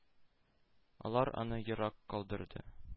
Алар аны ерак калдырды.